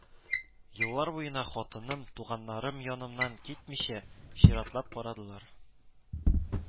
Еллар буена хатыным, туганнарым янымнан китмичә, чиратлап карадылар